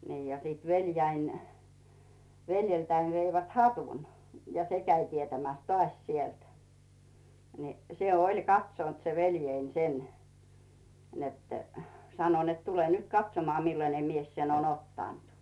niin ja sitten veljeni veljeltäni veivät hatun ja se kävi tietämässä taas sieltä niin se oli katsonut se veljeni sen että sanoi että tule nyt katsomaan millainen mies sen on ottanut